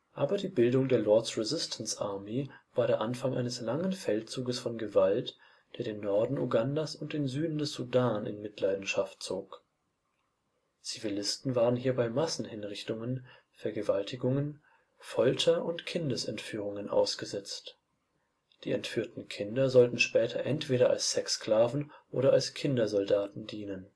Aber die Bildung der Lord’ s Resistance Army war der Anfang eines langen Feldzuges von Gewalt, der den Norden Ugandas und den Süden des Sudan in Mitleidenschaft zog. Zivilisten waren hierbei Massenhinrichtungen, - vergewaltigungen, Folter und Kindesentführungen ausgesetzt. Die entführten Kinder sollten später entweder als Sexsklaven oder als Kindersoldaten dienen